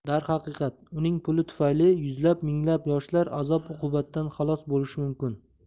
darhaqiqat uning puli tufayli yuzlab minglab yoshlar azob uqubatdan xalos bo'lishi mumkin